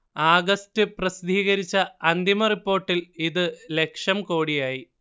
ആഗസ്ത് പ്രസിദ്ധീകരിച്ച അന്തിമ റിപ്പോർട്ടിൽ ഇത് ലക്ഷംകോടിയായി